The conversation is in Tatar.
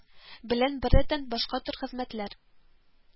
Белән беррәттән, башка төр хезмәтләр